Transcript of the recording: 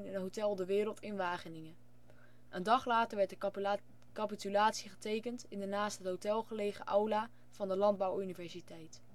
De Wereld in Wageningen. Een dag later werd de capitulatie getekend in de naast het hotel gelegen aula van de Landbouwuniversiteit